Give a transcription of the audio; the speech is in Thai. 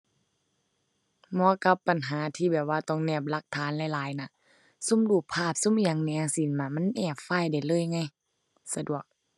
เหมาะกับปัญหาที่แบบว่าต้องแนบหลักฐานหลายหลายน่ะ ซุมรูปภาพซุมอิหยังแหมจั่งซี้นะ มันแนบไฟล์ได้เลยไง สะดวก